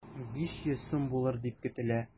500 сум булыр дип көтелә.